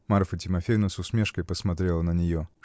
Марфа Тимофеевна с усмешкой посмотрела на нее.